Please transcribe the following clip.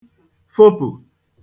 fopụ̀